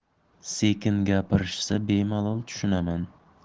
sekin gapirishsa bemalol tushunaman